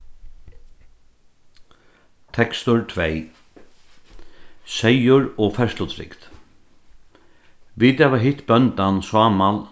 tekstur tvey seyður og ferðslutrygd vit hava hitt bóndan sámal